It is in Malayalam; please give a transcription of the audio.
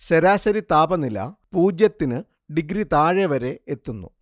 ശരാശരി താപനില പൂജ്യത്തിന് ഡിഗ്രി താഴെ വരെയെത്തുന്നു